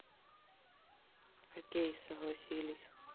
окей согласились